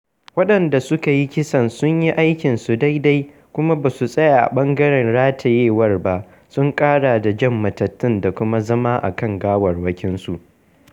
Waɗanda suka yi kisan sun yi aikinsu daidai, kuma ba su tsaya a ɓangaren ratayewar ba, sun ƙara da jan matattun da kuma zama a kan gawarwakinsu.